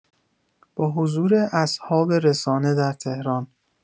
با حضور اصحاب رسانه در تهران